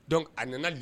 Donc a na na